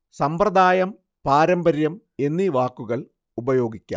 സമ്പ്രദായം പാരമ്പര്യം എന്നീ വാക്കുകൾ ഉപയോഗിക്കാം